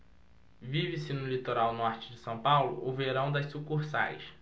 vive-se no litoral norte de são paulo o verão das sucursais